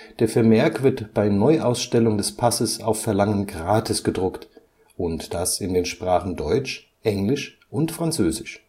Der Vermerk wird bei Neuausstellung des Passes auf Verlangen gratis gedruckt, und das in den Sprachen Deutsch, Englisch und Französisch